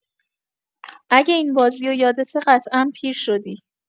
اگه این بازی رو یادته قطعا پیر شدی